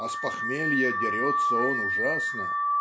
а с похмелья дерется он ужасно.